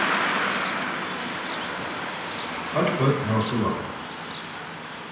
øll børn hava skúlagongd